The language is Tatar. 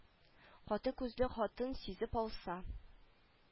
Каты күзле хатын сизеп алса